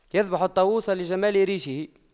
يذبح الطاووس لجمال ريشه